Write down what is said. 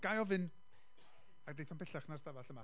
Gai ofyn... ac eith o'm pellach na'r stafell yma.